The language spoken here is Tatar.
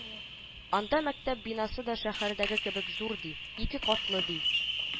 Анда мәктәп бинасы да шәһәрдәге кебек зур ди, ике катлы ди